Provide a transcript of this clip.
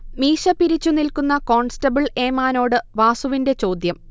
മീശ പിരിച്ചു നിൽക്കുന്ന കോൺസ്റ്റബിൾ ഏമാനോട് വാസുവിന്റെ ചോദ്യം